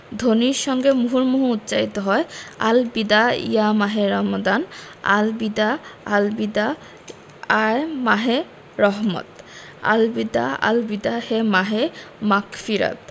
ধ্বনির সঙ্গে মুহুর্মুহু উচ্চারিত হয় আল বিদা ইয়া মাহে রমাদান আল বিদা আল বিদা আয় মাহে রহমাত আল বিদা আল বিদা হে মাহে মাগফিরাত